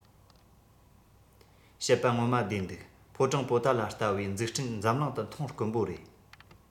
བཤད པ ངོ མ བདེན འདུག ཕོ བྲང པོ ཏ ལ ལྟ བུའི འཛུགས སྐྲུན འཛམ གླིང དུ མཐོང དཀོན པོ རེད